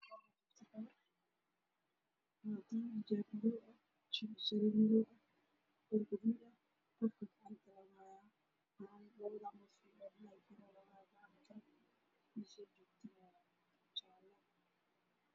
Waa sawir farshaxan waxaa ii muuqata gabar afka gacanta loo saaray ajaan madow wadato